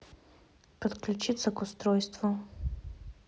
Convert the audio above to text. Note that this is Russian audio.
подключиться к устройству